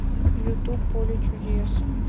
ютуб поле чудес